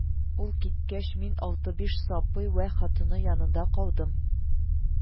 Ул киткәч, мин Алты-биш Сапый вә хатыны янында калдым